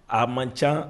A man ca